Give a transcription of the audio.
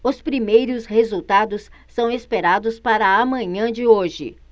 os primeiros resultados são esperados para a manhã de hoje